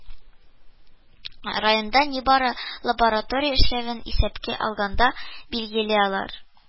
Районда нибары лаборатория эшләвен исәпкә алганда, билгеле, алар